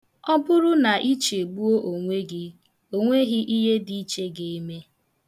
Ọ bụrụ na i chegbuo onwe gị, o nweghi ihe dị iche ga-eme.